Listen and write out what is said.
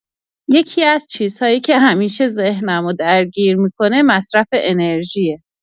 یکی‌از چیزهایی که همیشه ذهنمو درگیر می‌کنه، مصرف انرژیه.